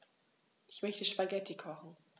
Ich möchte Spaghetti kochen.